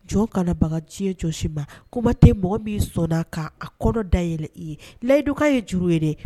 Jɔn kanabaga diɲɛ jɔsi ma kuma tɛ mɔgɔ min sɔnna' a kɔnɔ da yɛlɛ i ye layidukaw ye juru ye